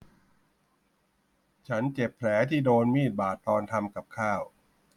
ฉันเจ็บแผลที่โดนมีดบาดตอนทำกับข้าว